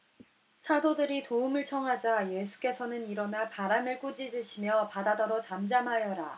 사도들이 도움을 청하자 예수께서는 일어나 바람을 꾸짖으시며 바다더러 잠잠하여라